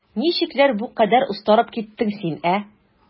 Ничекләр бу кадәр остарып киттең син, ә?